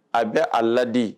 A bɛ a ladi